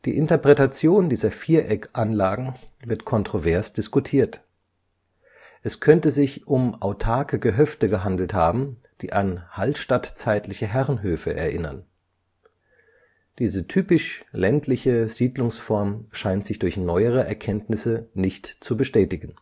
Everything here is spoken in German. Interpretation dieser Viereckanlagen wird kontrovers diskutiert. Es könnte sich um autarke Gehöfte gehandelt haben, die an hallstattzeitliche Herrenhöfe erinnern. Diese typisch ländliche Siedlungsform scheint sich durch neuere Erkenntnisse nicht zu bestätigen